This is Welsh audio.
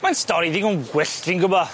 Mae'n stori ddigon gwyllt fi'n gwbo.